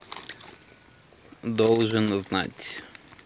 должен знать